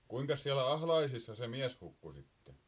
kuinkas siellä Ahlaisissa se mies hukkui sitten